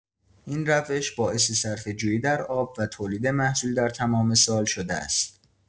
این روش باعث صرفه‌جویی در آب و تولید محصول در تمام سال شده است.